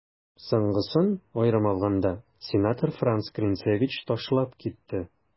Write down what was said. Соңгысын, аерым алганда, сенатор Франц Клинцевич ташлап китте.